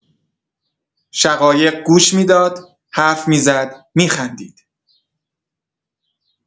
شقایق گوش می‌داد، حرف می‌زد، می‌خندید.